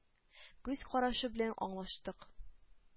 Күз карашы белән аңлаштык.